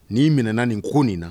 N'i minɛna nin ko nin na